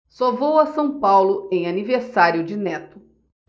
só vou a são paulo em aniversário de neto